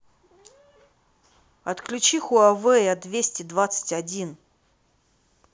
отключи хуавей о двести двадцать один